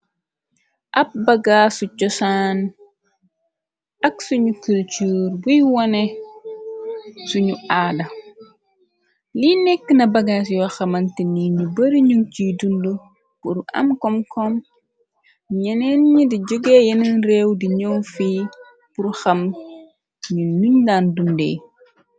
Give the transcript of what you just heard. Ab bagaasu chosaan ak suñu kulcur buy wone suñu aada li nekk na bagaas yo xamante ni ñu bari nu ciy dund buru am kom-kom ñeneen ñi di jóge yeneen réew di ñëow fi pur xam ñu nuñ daan dundey.